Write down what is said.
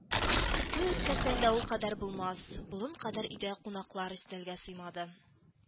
Туй үткәрсәң дә ул кадәр булмас, болын кадәр өйдә кунаклар өстәлгә сыймады